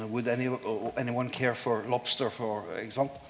ikkje sant.